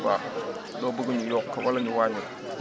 waaw loo bëgg ñu yokk ko walla ñu waññi ko